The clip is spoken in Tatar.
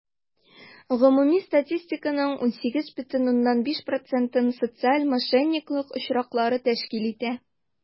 Гомуми статистиканың 18,5 процентын социаль мошенниклык очраклары тәшкил итә.